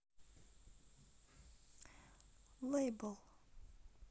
лейбл